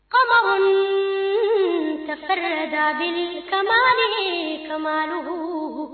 Kamalensonin tɛsɛ da kain kadugu